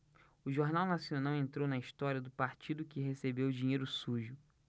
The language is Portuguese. o jornal nacional entrou na história do partido que recebeu dinheiro sujo